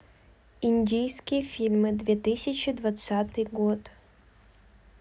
индийские фильмы две тысячи двадцатый год